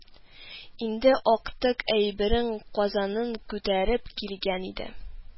Инде актык әйберен – казанын күтәреп килгән иде